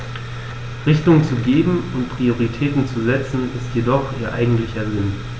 Richtung zu geben und Prioritäten zu setzen, ist jedoch ihr eigentlicher Sinn.